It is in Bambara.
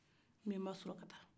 nbenba sulakata